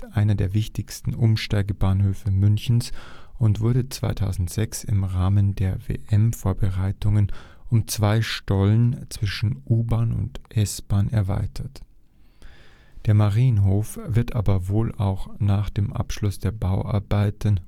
einer der wichtigsten Umsteigebahnhöfe Münchens und wurde 2006 im Rahmen der WM-Vorbereitungen um zwei Stollen zwischen U-Bahn und S-Bahn erweitert. Der Marienhof wird aber wohl auch nach dem Abschluss der Bauarbeiten